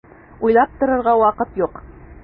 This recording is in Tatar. Уйлап торырга вакыт юк!